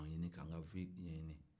k'an ɲinin k'an ka vie ɲɛɲinin